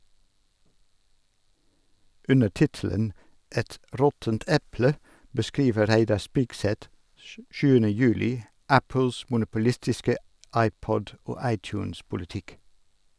Under tittelen «Et råttent eple» beskriver Reidar Spigseth 7. juli Apples monopolistiske iPod- og iTunes-politikk.